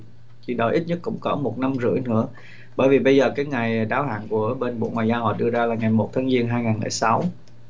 chị đợi ít nhất cũng cỡ một năm rưỡi nữa bởi vì bây giờ các ngày đáo hạn của bên bộ ngoại giao họ đưa ra là ngày một tháng giêng hai ngàn lẻ sáu